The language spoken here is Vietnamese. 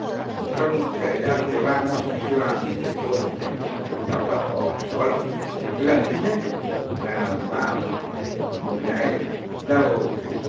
trong thời gian mười ba năm ở sư đoàn ấy thì tôi rất hạnh phúc được gặp bác hồ sáu lần lần thứ nhất ấy là vào một ngày đầu tháng